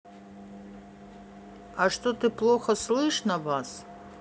а что ты плохо слышно вас